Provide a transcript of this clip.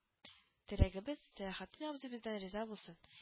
Терәгебез, Сәяхетдин абзый бездән риза булсын